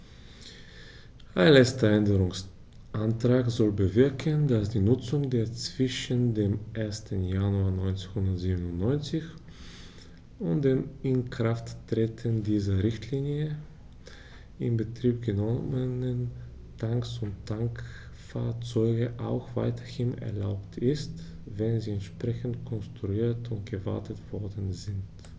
Ein letzter Änderungsantrag soll bewirken, dass die Nutzung der zwischen dem 1. Januar 1997 und dem Inkrafttreten dieser Richtlinie in Betrieb genommenen Tanks und Tankfahrzeuge auch weiterhin erlaubt ist, wenn sie entsprechend konstruiert und gewartet worden sind.